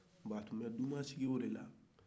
a tun bɛ tuna sigi de la